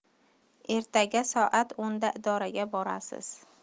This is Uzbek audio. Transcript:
ertaga soat o'nda idoraga borasiz